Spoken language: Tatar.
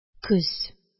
КӨЗ